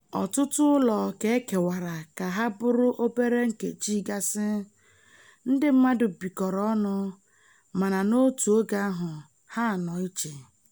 Ọtụtụ ụlọ ka e kewara ka ha bụrụ obere nkeji gasị. Ndị mmadụ bikọrọ ọnụ, mana n'otu oge ahụ, ha nọ nnọọ iche.